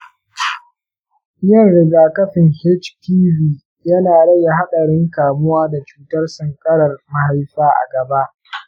yin rigakafin hpv yana rage haɗarin kamuwa da cutar sankarar mahaifa a gaba.